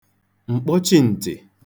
m̀kpọchi ǹtị̀